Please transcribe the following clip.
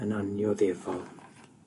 yn annioddefol.